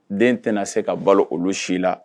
Den tɛ na se ka balo olu si la.